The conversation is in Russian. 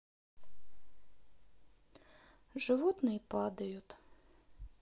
животные падают